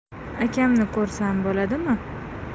akamni ko'rsam bo'ladimi